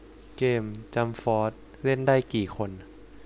เกมจั๊มฟอสเล่นได้กี่คน